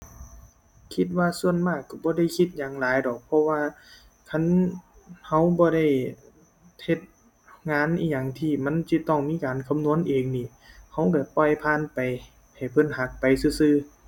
คิดว่าส่วนมากก็บ่ได้คิดหยังหลายดอก เพราะว่าคันก็บ่ได้เฮ็ดงานอิหยังที่มันจิต้องมีการคำนวณเองนี่ ก็ก็ปล่อยผ่านไป ให้เพิ่นหักไปซื่อซื่อ